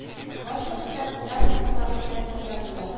Барчасын да татар ризыклары белән сыйладылар